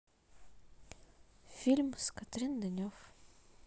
фильмы с катрин денев